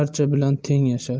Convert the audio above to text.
archa bilan teng yashar